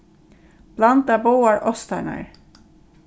blanda báðar ostarnar